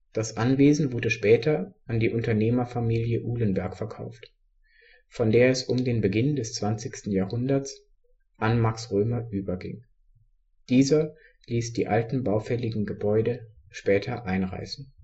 Das Anwesen wurde später an die Unternehmerfamilie Ulenberg verkauft, von der es um den Beginn des 20. Jahrhunderts an Max Römer überging. Dieser ließ die alten baufälligen Gebäude später einreißen